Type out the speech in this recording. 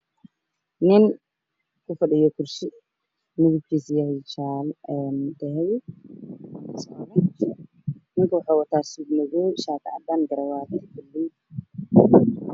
Waa nin ku fadhiya kursi midowgiis yahay qaxwi wuxuu watahay madow dad ay aga fadhiya